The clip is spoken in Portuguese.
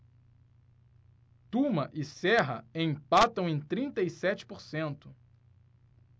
tuma e serra empatam em trinta e sete por cento